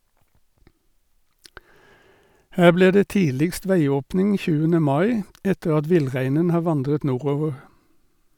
Her blir det tidligst veiåpning 20. mai etter at villreinen har vandret nordover.